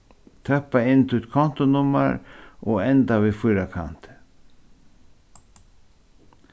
tøppa inn títt kontunummar og enda við fýrakanti